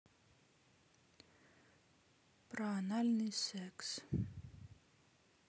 про анальный секс